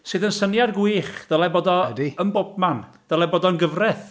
Sydd yn syniad gwych, dyle bod o yn bob man, dyle bod o'n gyfraith!